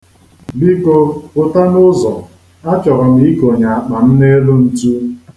Biko, pụta n'ụzọ, a chọrọ m ikonye àkpà m n'elu ntu.